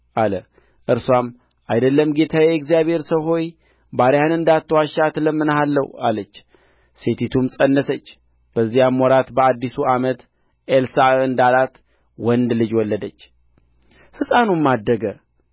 ባልዋም ሸምግሎአል ብሎ መለሰ እርሱም ጥራት አለ በጠራትም ጊዜ በደጃፉ ቆመች እርሱም በሚመጣው ዓመት በዚህ ወራት ወንድ ልጅ ትታቀፊአለሽ